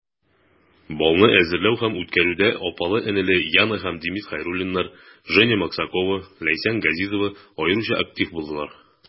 Балны әзерләү һәм үткәрүдә апалы-энеле Яна һәм Демид Хәйруллиннар, Женя Максакова, Ләйсән Газизова аеруча актив булдылар.